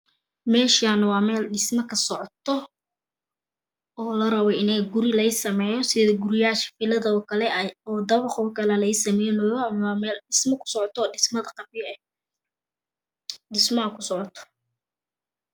Meshan wa mel dhismo kasocoto oolarabo In guri laga sameyo sida. guriyasha filada o kale oodabaq okale laga samenoya wamel dhismo kudocoto.